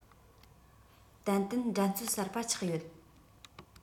ཏན ཏན འགྲན རྩོད གསར པ ཆགས ཡོད